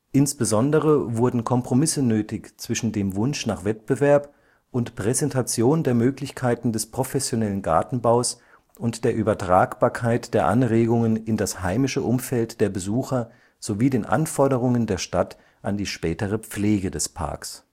Insbesondere wurden Kompromisse nötig zwischen dem Wunsch nach Wettbewerb und Präsentation der Möglichkeiten des professionellen Gartenbaus und der Übertragbarkeit der Anregungen in das heimische Umfeld der Besucher sowie den Anforderungen der Stadt an die spätere Pflege des Parks